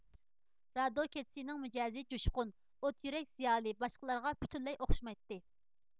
رادوكېتسنىڭ مىجەزى جۇشقۇن ئوت يۈرەك زىيالىي باشقىلارغا پۈتۈنلەي ئوخشىمايتتى